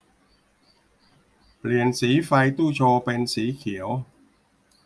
เปลี่ยนสีไฟตู้โชว์เป็นสีเขียว